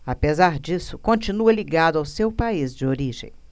apesar disso continua ligado ao seu país de origem